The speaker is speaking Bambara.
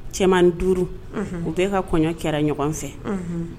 Cɛman duuru u bɛ ka kɔɲɔ kɛra ɲɔgɔn fɛ